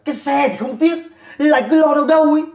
cái xe thì không tiếc lại cứ lo đâu đâu ý